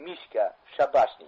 mishka shabashnik